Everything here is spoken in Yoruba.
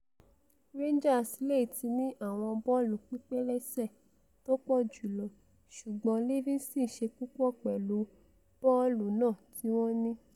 Rangers leè ti ní àwọn bọ́ọ̀lù pípẹ́lẹ́sẹ̀ tópọ̀jùlọ̀ ṣùgbọ́n Livingston ṣe púpọ̀ pẹ̀lú bọ́ọ̀lù náà tíwọ́n ní.